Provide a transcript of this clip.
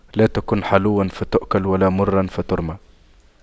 لا تكن حلواً فتؤكل ولا مراً فترمى